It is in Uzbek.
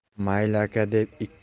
mayli aka deb ikki